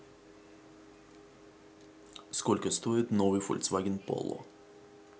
сколько стоит новый volkswagen polo